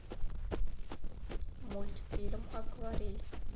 мультфильм акварель